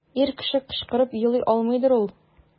Ир кеше кычкырып елый алмыйдыр ул.